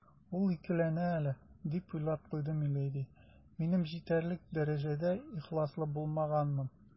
«ул икеләнә әле, - дип уйлап куйды миледи, - минем җитәрлек дәрәҗәдә ихласлы булмаганмын».